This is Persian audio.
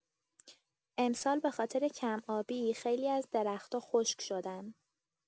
امسال به‌خاطر کم‌آبی، خیلی از درختا خشک‌شدن.